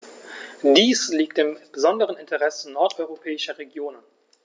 Dies liegt im besonderen Interesse nordeuropäischer Regionen.